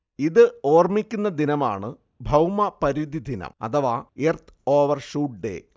ഇത് ഓർമിക്കുന്ന ദിനമാണ് ഭൗമപരിധിദിനം അഥവാ എർത്ത് ഓവർ ഷൂട്ട്ഡേ